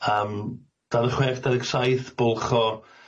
Yym dau ddeg chwech dau ddeg saith bwlch o